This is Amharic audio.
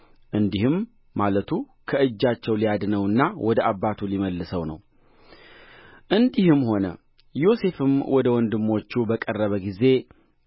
እንዲህም ማለቱ ከእጃቸው ሊያድነውና ወደ አባቱ ሊመልሰው ነው እንዲህም ሆነ ዮሴፍም ወደ ወንድሞቹ በቀረበ ጊዜ